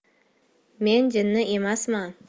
men jinni emasman